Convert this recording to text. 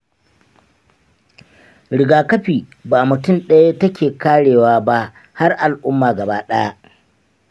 rigakafi ba mutum ɗaya take karewa ba har al’umma gabaɗaya.